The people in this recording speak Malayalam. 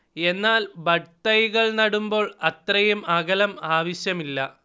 എന്നാൽ ബഡ്ഡ് തൈകൾ നടുമ്പോൾ അത്രയും അകലം ആവശ്യമില്ല